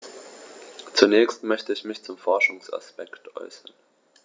Zunächst möchte ich mich zum Forschungsaspekt äußern.